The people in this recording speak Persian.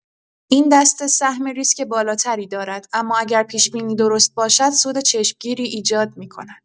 این دسته سهم ریسک بالاتری دارد اما اگر پیش‌بینی درست باشد، سود چشمگیری ایجاد می‌کند.